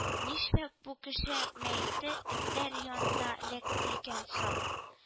Нишләп бу кеше мәете этләр янына эләкте икән соң